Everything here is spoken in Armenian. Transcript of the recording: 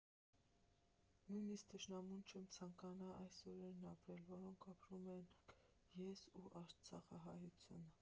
Նույնիսկ թշնամուն չեմ ցանկանա այս օրերն ապրել, որոնք ապրում ենք ես ու արցախահայությունը։